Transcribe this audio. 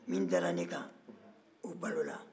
min dara ne kan o balola